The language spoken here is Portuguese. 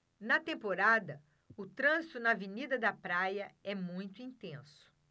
na temporada o trânsito na avenida da praia é muito intenso